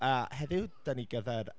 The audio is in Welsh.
Yy heddiw dan ni gyda'r...